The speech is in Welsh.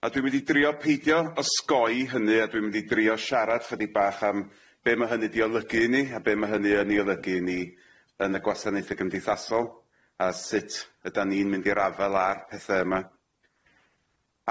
A dwi mynd i drio peidio osgoi hynny a dwi mydn i drio sharad chydig bach am be' ma' hynny 'di olygu i ni a be' ma' hynny yn 'i olygu i ni yn y gwasanaethe gymdeithasol a sut ydan ni'n mynd i'r afel ar pethe yma.